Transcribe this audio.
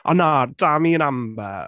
Ond na, Dami and Amber.